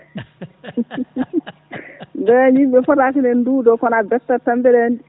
* kono a dottan tan mbiɗa anndi